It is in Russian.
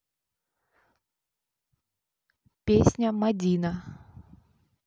песня мадина